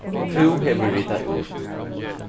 tú hevur ritað út